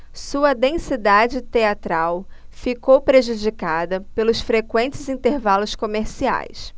sua densidade teatral ficou prejudicada pelos frequentes intervalos comerciais